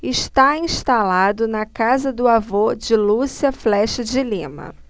está instalado na casa do avô de lúcia flexa de lima